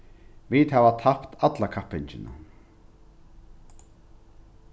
vit hava tapt alla kappingina